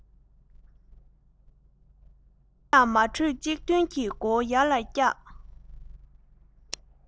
མི རྣམས མ གྲོས གཅིག མཐུན གྱིས མགོ བོ ཡར ལ བཀྱགས